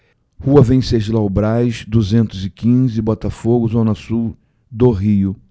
rua venceslau braz duzentos e quinze botafogo zona sul do rio